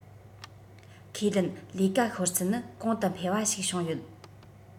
ཁས ལེན ལས ཀ ཤོར ཚད ནི གོང དུ འཕེལ བ ཞིག བྱུང ཡོད